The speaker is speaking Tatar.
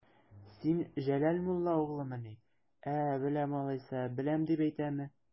Син Җәләл мулла угълымыни, ә, беләм алайса, беләм дип әйтәме?